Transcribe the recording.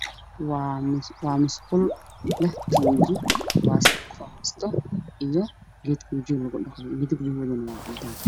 Oo mashquul xileed tuundi taasoo lagu qabiisto oo leh waje cadaado